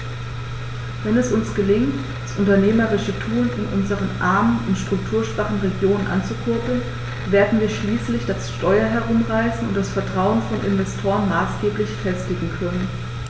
Wenn es uns gelingt, das unternehmerische Tun in unseren armen und strukturschwachen Regionen anzukurbeln, werden wir schließlich das Steuer herumreißen und das Vertrauen von Investoren maßgeblich festigen können.